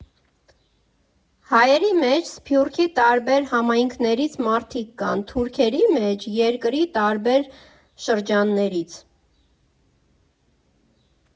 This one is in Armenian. Հայերի մեջ Սփյուռքի տարբեր համայնքներից մարդիկ կան, թուրքերի մեջ՝ երկրի տարբեր շրջաններից։